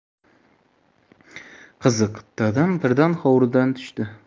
qiziq dadam birdan hovuridan tushdi